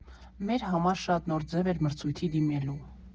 Մեր համար շատ նոր ձև էր մրցույթի դիմելու։